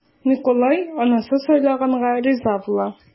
Микулай анасы сайлаганга риза була.